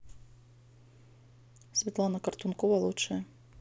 светлана картункова лучшее